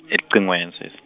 elicingweni sis-.